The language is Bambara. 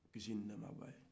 kisi ni nɛɛma b'a ye